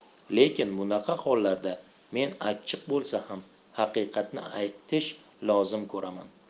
lekin bunaqa hollarda men achchiq bo'lsa ham haqiqatni aytishni lozim ko'raman